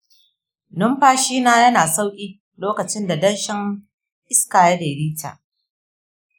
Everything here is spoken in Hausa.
numfashina yana sauƙi lokacin da danshin iska ya daidaita.